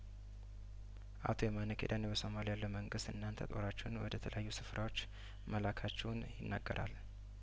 አቶ የማነ ኪዳኔ በሶማሊያ ያለው መንግስት እናንተ ጦራችሁን ወደ ተለያዩ ስፍራዎች መላካችሁን ይናገራል